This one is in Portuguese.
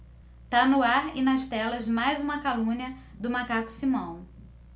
tá no ar e nas telas mais uma calúnia do macaco simão